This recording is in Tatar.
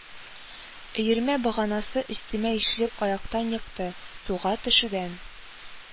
Өермә баганасы өстемә ишелеп аяктан екты, суга төшүдән